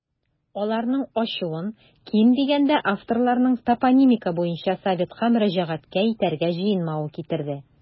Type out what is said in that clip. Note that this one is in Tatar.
Аларның ачуын, ким дигәндә, авторларның топонимика буенча советка мөрәҗәгать итәргә җыенмавы китерде.